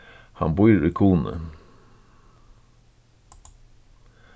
hann býr í kunoy